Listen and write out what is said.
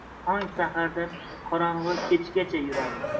tong sahardan qorong'i kechgacha yuradi